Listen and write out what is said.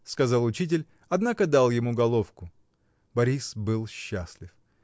— сказал учитель, однако дал ему головку. Борис был счастлив.